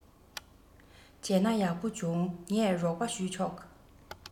བྱས ན ཡག པོ བྱུང ངས རོགས པ ཞུས ཆོག